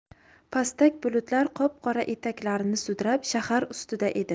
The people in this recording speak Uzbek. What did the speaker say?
pastak bulutlar qop qora etaklarini sudrab shahar ustida edi